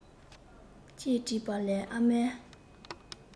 ཅེས དྲིས པ ལས ཨ མས